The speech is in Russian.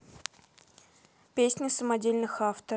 песни самодеятельных авторов